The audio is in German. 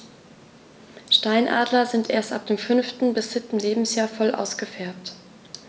Steinadler sind erst ab dem 5. bis 7. Lebensjahr voll ausgefärbt.